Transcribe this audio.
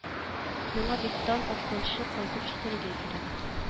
Миңа бит таң атканчы кайтып җитәргә кирәк